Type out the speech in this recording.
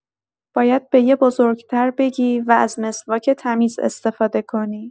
باید به یه بزرگ‌تر بگی و از مسواک تمیز استفاده کنی.